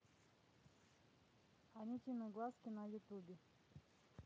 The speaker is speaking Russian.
анютины глазки на ютубе